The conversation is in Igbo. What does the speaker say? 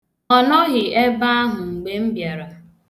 Ọ nọghị ebe ahụ mgbe m bịara.